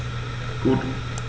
Gut.